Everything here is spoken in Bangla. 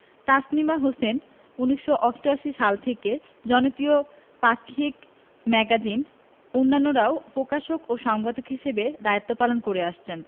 তাসনিমা হোসেন ১৯৮৮ সাল থেকে জনপিয় পাক্ষিক ম্যাগাজিন অন্যান্যরাও পকাশক ও সম্পাদক হিসেবে দায়িত্ব পালন করে আসছেন